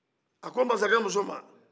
a ko masakɛmuso ma